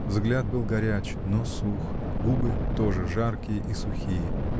Взгляд был горяч, но сух, губы тоже жаркие и сухие.